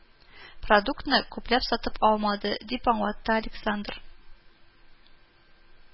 Продуктны күпләп сатып алмады, дип аңлатты александр